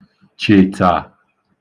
chètà